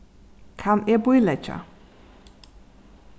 kann eg bíleggja